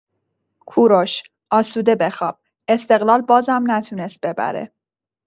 کوروش آسوده بخواب استقلال بازم نتونست ببره!